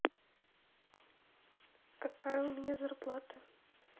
какая у меня зарплата